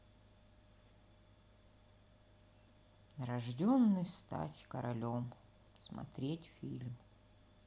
рожденный стать королем смотреть фильм